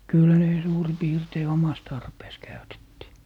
kyllä ne suurin piirtein omassa tarpeessa käytettiin